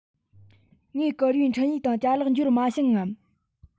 ངས བསྐུར བའི འཕྲིན ཡིག དང ཅ ལག འབྱོར མ བྱུང ངམ